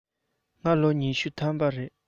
ང ད ལོ ལོ ཉི ཤུ ཐམ པ རེད